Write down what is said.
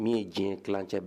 Min ye diɲɛ tilancɛ